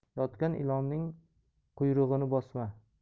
yotgan ilonning quyrug'ini bosma